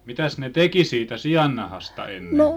mitäs ne teki siitä siannahasta ennen